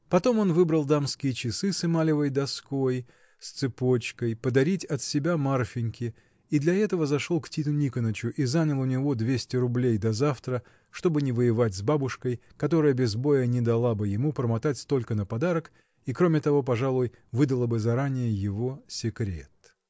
Потом он выбрал дамские часы с эмалевой доской, с цепочкой, подарить от себя Марфиньке и для этого зашел к Титу Никонычу и занял у него двести рублей до завтра, чтобы не воевать с бабушкой, которая без боя не дала бы ему промотать столько на подарок и, кроме того, пожалуй, выдала бы заранее его секрет.